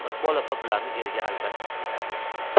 iqbol opa bularni eriga albatta kiydiradi